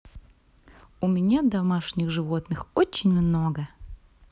у меня домашних животных очень много